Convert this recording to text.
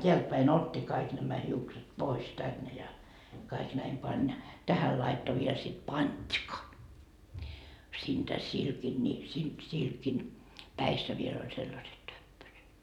täältäpäin otti kaikki nämä hiukset pois tänne ja kaikki näin pani ja tähän laittoi vielä sitten pantka siitä silkin niin - silkin päissä vielä oli sellaiset töppöset